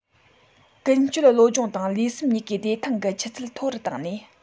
ཀུན སྤྱོད བློ སྦྱོང དང ལུས སེམས གཉིས ཀའི བདེ ཐང གི ཆུ ཚད མཐོ རུ བཏང ནས